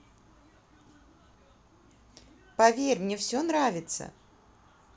поверь мне все нравится